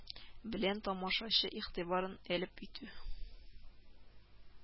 Белән тамашачы игътибарын әлеп итү